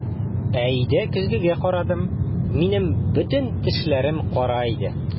Ә өйдә көзгегә карадым - минем бөтен тешләрем кара иде!